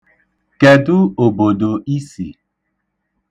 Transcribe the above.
Kedụ obodo i si?